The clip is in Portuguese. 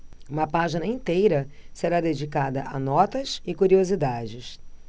uma página inteira será dedicada a notas e curiosidades